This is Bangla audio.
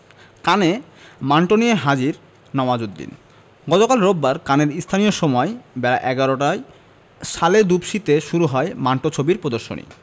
কানে মান্টো নিয়ে হাজির নওয়াজুদ্দিন গতকাল রোববার কানের স্থানীয় সময় বেলা ১১টায় সালে দুবুসিতে শুরু হয় মান্টো ছবির প্রদর্শনী